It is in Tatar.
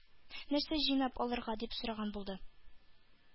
-нәрсә җыйнап алырга? - дип сораган булды.